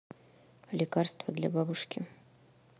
лекарство для бабушки